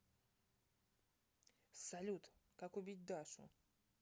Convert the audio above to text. салют как убить дашу